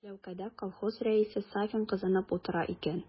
Ләүкәдә колхоз рәисе Сафин кызынып утыра икән.